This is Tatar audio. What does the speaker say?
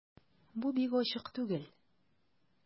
Бу бик ачык түгел...